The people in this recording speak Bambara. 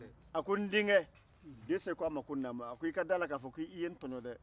a ko n denkɛ dɛsɛ ko naamu a ko i ye n tɔɲɔ dɛ